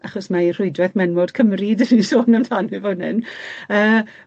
Achos mae Rhwydweth Menwod Cymru 'dan ni'n sôn amdani fan hyn. Yy.